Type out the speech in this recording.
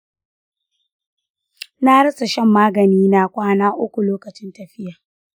na rasa shan magani na kwana uku lokacin tafiyan.